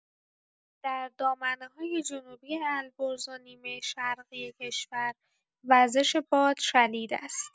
در دامنه‌های جنوبی البرز و نیمه‌شرقی کشور وزش باد شدید است.